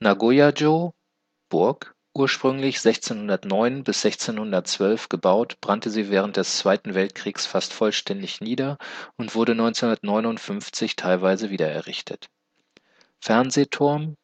Nagoya-jō (Burg) – ursprünglich von 1609 bis 1612 gebaut, brannte sie während des Zweiten Weltkrieges fast vollständig nieder und wurde 1959 teilweise wiedererrichtet. Fernsehturm